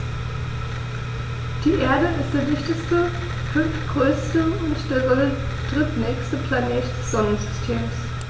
Die Erde ist der dichteste, fünftgrößte und der Sonne drittnächste Planet des Sonnensystems.